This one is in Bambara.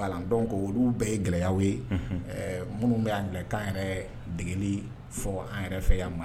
Voila donc olu bɛɛ ye gɛlɛyaw ye. Unhun! Minnu bɛ anglais kan yɛrɛ degeli fɔ an yɛrɛ fɛ yan Mal